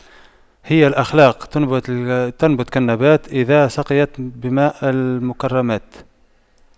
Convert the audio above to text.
هي الأخلاق تنبت كالنبات إذا سقيت بماء المكرمات